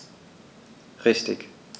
Richtig